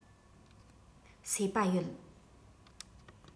སོས པ ཡོད